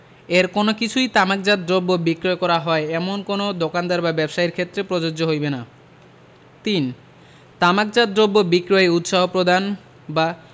এর কোন কিছুই তামাকজাত দ্রব্য বিক্রয় করা হয় এমন কোন দোকানদার বা ব্যবসায়ীর ক্ষেত্রে প্রযোজ্য হইবে না ৩ তামাকজাত দ্রব্য বিক্রয়ে উৎসাহ প্রদান বা